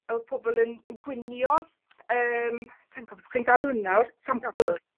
fel pobol yn yn gwynio yym sai'n cofio beth ych chi'n galw nw nawr. Sample.